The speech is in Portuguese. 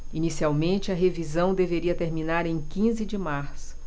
inicialmente a revisão deveria terminar em quinze de março